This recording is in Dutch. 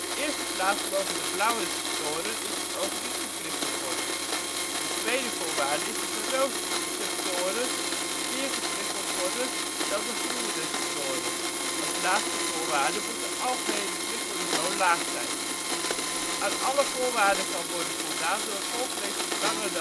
eerste plaats mogen de blauwreceptoren in het oog niet geprikkeld worden. De tweede voorwaarde is dat de roodceptoren meer geprikkeld worden dan de groenreceptoren. Als laatste voorwaarde moet het algehele prikkelniveau laag zijn. Aan alle voorwaarden kan worden voldaan door golflengtes langer